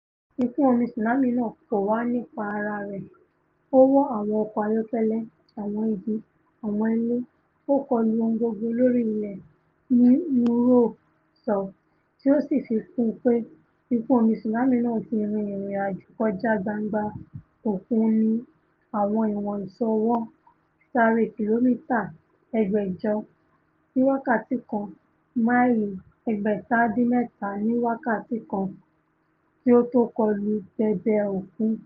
Ìkún-omi tsunami náà kòwá nípa ara rẹ̀, ó wọ́ àwọn ọkọ́ ayọ́kẹ́lẹ́, àwọn igi, àwọn ilé, ó kọlu ohun gbogbo lórí ilẹ̀,'' ni Nugroho sọ, tí ó sì fikún un pé ìkún-omi tsunami náà ti rin ìrìn-àjò kọjá gbangba òkun ní àwọn ìwọ̀n ìṣọwọ́sáré kìlómítà ẹgbẹ̀jọ̀ ní wákàtí kan (máìlí 497 ní wákàtí kan) kí ó tó kọlu bèbè òkun.